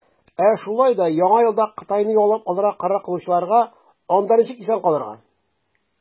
Ә шулай да Яңа елда Кытайны яулап алырга карар кылучыларга, - анда ничек исән калырга.